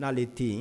N'ale tɛ yen